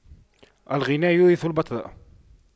الغنى يورث البطر